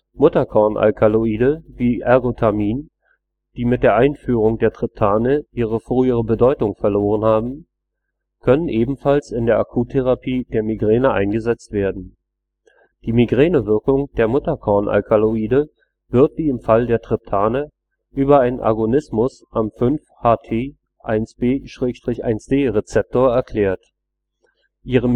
Mutterkornalkaloide, wie Ergotamin, die mit der Einführung der Triptane ihre frühere Bedeutung verloren haben, können ebenfalls in der Akuttherapie der Migräne eingesetzt werden. Die Migränewirkung der Mutterkornalkaloide wird, wie im Falle der Triptane, über einen Agonismus am 5-HT1B/1D-Rezeptor erklärt. Ihre